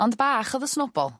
Ond bach o'dd y snowball